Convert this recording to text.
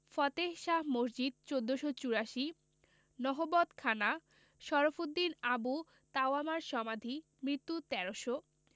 ফতেহ শাহ মসজিদ ১৪৮৪ নহবতখানা শরফুদ্দীন আবু তাওয়ামার সমাধি মৃত্যু ১৩০০